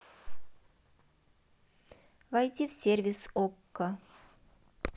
войди в сервис окко